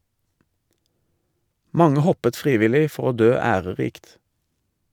Mange hoppet frivillig for å dø ærerikt.